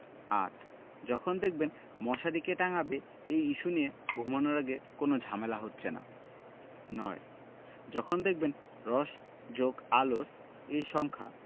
৮. যখন দেখবেন মশারি কে টাঙাবে এই ইস্যু নিয়ে ঘুমানোর আগে কোনো ঝামেলা হচ্ছে না ৯. যখন দেখবেন রস+আলোর এই সংখ্যা